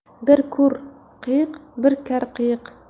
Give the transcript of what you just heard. bir ko'r qiyiq bir kar qiyiq